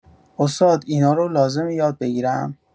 استاد این‌ها رو لازمه یاد بگیرم؟